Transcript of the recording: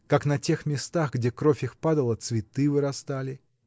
как на тех местах, где кровь их падала, цветы вырастали.